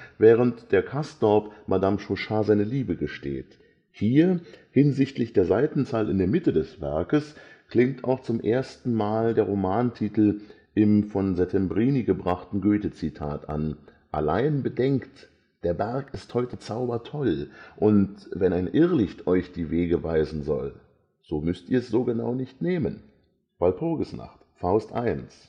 während der Castorp Madame Chauchat seine Liebe gesteht. Hier, hinsichtlich der Seitenzahl in der Mitte des Werkes, klingt auch zum ersten Mal der Romantitel im von Settembrini gebrachten Goethezitat an: Allein bedenkt! Der Berg ist heute zaubertoll, Und wenn ein Irrlicht Euch die Wege weisen soll, So müßt Ihr 's so genau nicht nehmen (Walpurgisnacht, Faust I). Des